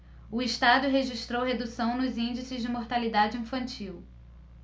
o estado registrou redução nos índices de mortalidade infantil